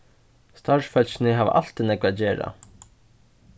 starvsfólkini hava altíð nógv at gera